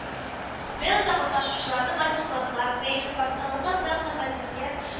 Сменада катнашучыларны мастер-класслар, тренинглар, танылган фән һәм мәдәният